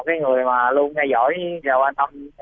cái người mà luôn theo dõi gì đó là